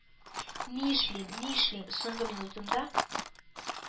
Нишлим, нишлим, соңгы минутымда